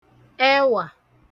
ẹwà